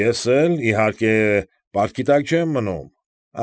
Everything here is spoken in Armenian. Ես էլ, իհարկե, պարտքի տակ չեմ մնում։